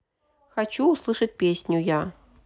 хочу услышать песню я